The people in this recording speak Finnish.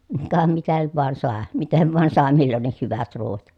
ka mitä nyt vain sai miten vain sai milloinkin hyvät ruuat